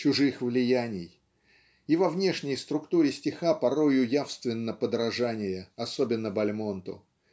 чужих влияний (и во внешней структуре стиха порою явственно подражание особенно Бальмонту)